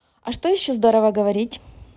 а что еще здорово говорить